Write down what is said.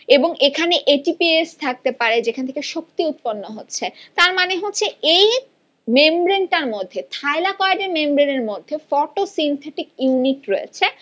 এবং এখানে এটিপিএস থাকতে পারে যেখান থেকে শক্তি উৎপন্ন হচ্ছে তার মানে হচ্ছে এই মেমব্রেন টার মধ্যে থাইলাকয়েড এর মেমব্রেনের মধ্যে ফটোসিন্থেটিক ইউনিট রয়েছে